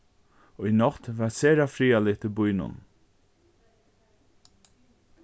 í nátt var sera friðarligt í býnum